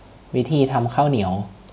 วิธีทำข้าวเหนียว